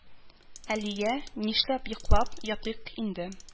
Әлия: Нишләп йоклап ятыйк инде